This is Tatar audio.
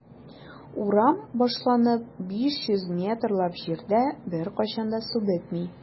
Урам башланып 500 метрлап җирдә беркайчан да су бетми.